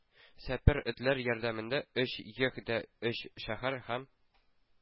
Сапер этләр ярдәмендә өч йөх дә өч шәһәр һәм